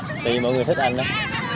thì mọi người thích anh đó